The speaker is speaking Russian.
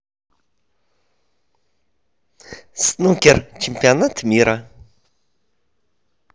снукер чемпионат мира